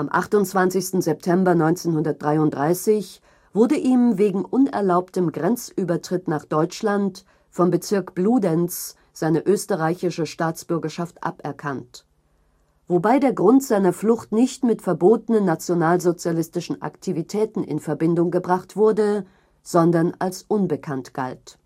28. September 1933 wurde ihm „ wegen unerlaubtem Grenzübertritt nach Deutschland “vom Bezirk Bludenz seine österreichische Staatsbürgerschaft aberkannt, wobei der Grund seiner Flucht nicht mit verbotenen nationalsozialistischen Aktivitäten in Verbindung gebracht wurde, sondern als „ unbekannt “galt